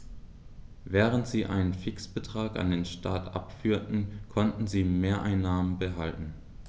Während sie einen Fixbetrag an den Staat abführten, konnten sie Mehreinnahmen behalten.